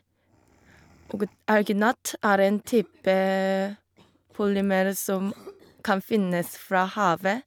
Og d alginat er en type polymer som kan finnes fra havet.